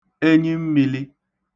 enyimmīlī